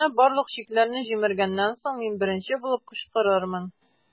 Менә барлык чикләрне җимергәннән соң, мин беренче булып кычкырырмын.